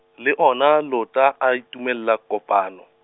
le ona lota a itumella kopano.